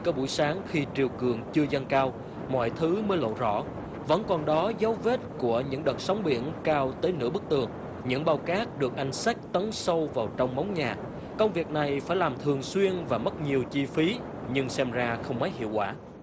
có buổi sáng khi triều cường chưa dâng cao mọi thứ mới lộ rõ vẫn còn đó dấu vết của những đợt sóng biển cao tới nửa bức tường những bao cát được ngân sách lấn sâu vào trong móng nhà công việc này phải làm thường xuyên và mất nhiều chi phí nhưng xem ra không mấy hiệu quả